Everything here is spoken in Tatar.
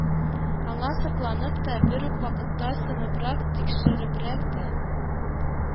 Аңа сокланып та, бер үк вакытта сынабрак-тикшеребрәк тә